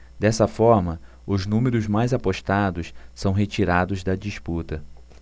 dessa forma os números mais apostados são retirados da disputa